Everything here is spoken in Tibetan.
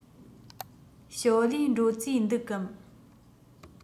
ཞའོ ལིའི འགྲོ རྩིས འདུག གམ